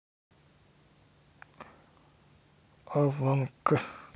afina к